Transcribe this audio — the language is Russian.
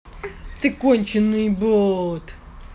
ты конченный бот